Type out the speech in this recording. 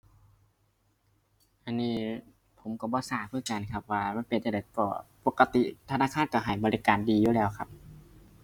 อันนี้ผมก็บ่ทราบคือกันครับว่ามันเป็นจั่งใด ก็ ปกติธนาคารก็ให้บริการดีอยู่แล้วครับ